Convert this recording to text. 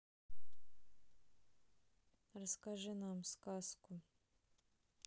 расскажи нам сказку